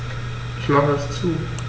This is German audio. Ich mache es zu.